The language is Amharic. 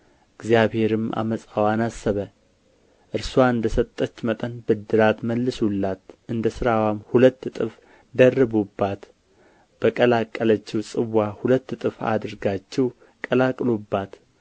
እግዚአብሔርም ዓመፃዋን አሰበ እርስዋ እንደ ሰጠች መጠን ብድራት መልሱላት እንደ ሥራዋም ሁለት እጥፍ ደርቡባት በቀላቀለችው ጽዋ ሁለት እጥፍ አድርጋችሁ ቀላቅሉባት